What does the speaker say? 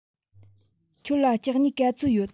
ཁྱོད ལ ལྕགས སྨྱུག ག ཚོད ཡོད